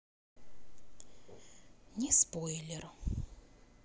не спойлер